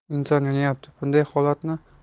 inson yonyapti bunday